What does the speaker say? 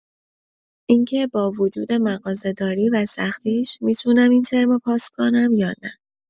اینکه با وجود مغازه‌داری و سختیش، می‌تونم این ترمو پاس کنم یا نه!